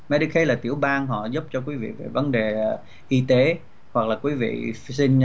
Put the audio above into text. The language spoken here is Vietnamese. me đi ke là tiểu bang họ giúp cho quý vị về vấn đề y tế hoặc là quý vị xin